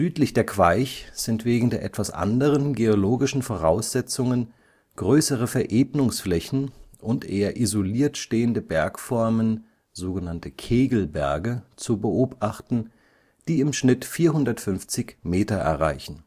Südlich der Queich sind wegen der etwas anderen geologischen Voraussetzungen (siehe Kapitel Landschaftscharakter) größere Verebnungsflächen und eher isoliert stehende Bergformen (Kegelberge) zu beobachten, die im Schnitt 450 m erreichen